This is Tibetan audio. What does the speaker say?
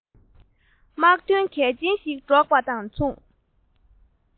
དམག དོན གལ ཆེན ཞིག སྒྲོག པ དང མཚུངས